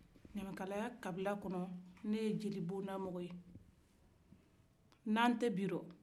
ɲamakalaya kabila kɔnɔ ne ye jeli bonda mɔgɔ ye nan tɛ bila